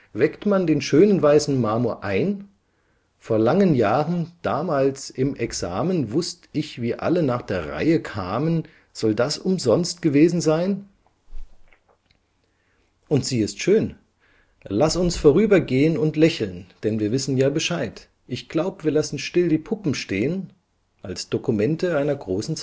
Weckt man den schönen, weißen Marmor ein? Vor langen Jahren, damals, im Examen, wußt ich, wie alle nach der Reihe kamen … Soll das umsonst gewesen sein? Und sie ist schön! – Laß uns vorübergehen und lächeln – denn wir wissen ja Bescheid. Ich glaub, wir lassen still die Puppen stehen als Dokumente einer großen